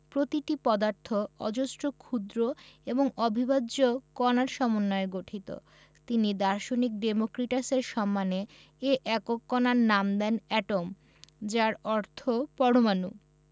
প্রতিটি পদার্থ অজস্র ক্ষুদ্র এবং অবিভাজ্য কণার সমন্বয়ে গঠিত তিনি দার্শনিক ডেমোক্রিটাসের সম্মানে এ একক কণার নাম দেন এটম যার অর্থ পরমাণু